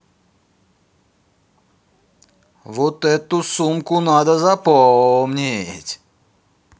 вот эту сумку надо запомнить